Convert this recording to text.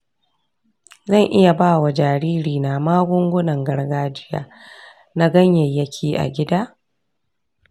zan iya ba wa jaririna magungunan gargajiya na ganyayyaki a gida?